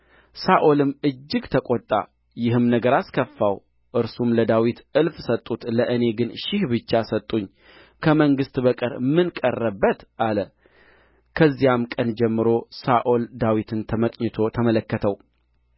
ሳኦልም እጅግ ተቈጣ ይህም ነገር አስከፋው እርሱም ለዳዊት እልፍ ሰጡት ለእኔ ግን ሺህ ብቻ ሰጡኝ ከመንግሥት በቀር ምን ቀረበት አለ ከዚያም ቀን ጀምሮ ሳኦል ዳዊትን ተመቅኝቶ ተመለከተው